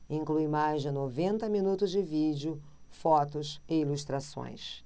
inclui mais de noventa minutos de vídeo fotos e ilustrações